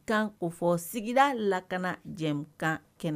Kan o fɔ sigira lakana jɛkan kɛnɛ